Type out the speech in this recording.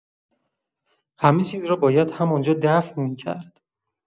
همه‌چیز را باید همان‌جا دفن می‌کرد.